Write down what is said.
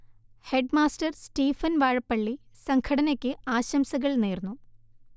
headmaster Stephen Vazhappally സംഘടനയ്ക്ക് ആശംസകൾ നേർന്നു